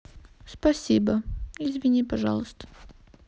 спасибо извини пожалуйста